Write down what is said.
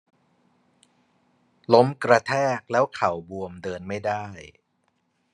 ล้มกระแทกแล้วเข่าบวมเดินไม่ได้